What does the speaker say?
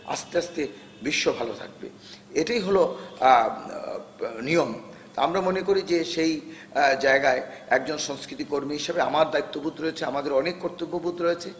আস্তে আস্তে বিশ্ব ভালো থাকবে এটি হলো নিয়ম আমরা মনে করি যে সেই জায়গায় একজন সংস্কৃতিকর্মী হিসেবে আমাদের দায়িত্ববোধ রয়েছে আমাদের অনেক কর্তব্যবোধ রয়েছে